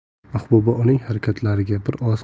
mahbuba uning harakatlariga bir oz